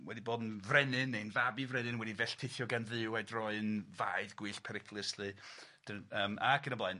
wedi bod yn frenin neu'n fab i frenin, wedi felltithio gan dduw a'i droi'n faedd gwyllt periglus 'lly d- yym ac yn y blaen.